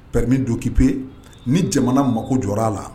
Pkime donkipi ni jamana mako jɔ a la